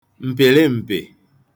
m̀pị̀lịm̀pị̀